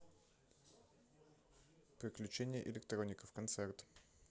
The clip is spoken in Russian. приключения электроников концерт